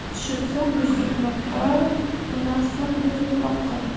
tushibsan bu so'qmoqqa ko'narsan bu to'qmoqqa